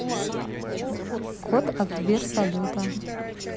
кот от сбер салюта